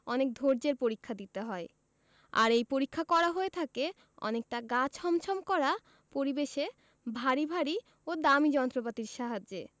অনেক ধৈর্য্যের পরীক্ষা দিতে হয় আর এই পরীক্ষা করা হয়ে থাকে অনেকটা গা ছমছম করা পরিবেশে ভারী ভারী ও দামি যন্ত্রপাতির সাহায্যে